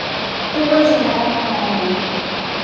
тоже нормально